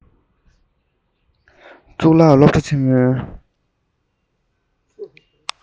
གཙུག ལག སློབ གྲྭའི ཆེན མོའི